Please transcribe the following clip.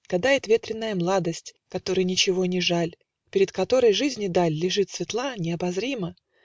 Гадает ветреная младость, Которой ничего не жаль, Перед которой жизни даль Лежит светла, необозрима